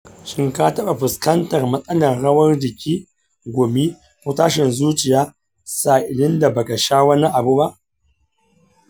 shin ka taɓa fuskantar matsalar rawar jiki, gumi, ko tashin zuciya sa'ilin da baka sha wani abu ba?